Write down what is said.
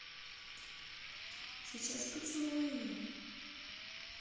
сейчас поцелую ее